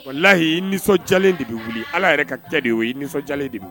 Walahi i nisɔndiyalen de be wili Ala yɛrɛ ka kɛ de y'o ye i nisɔndiyalen de be w